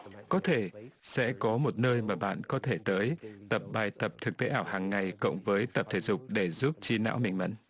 có thể sẽ có một nơi mà bạn có thể tới tập bài tập thực tế ảo hằng ngày cộng với tập thể dục để giúp trí não minh mẫn